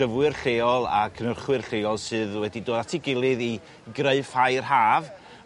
dyfwyr lleol a cynychwyr lleol sydd wedi dod at 'i gilydd i greu ffair Haf